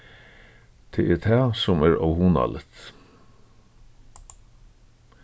tað er tað sum er óhugnaligt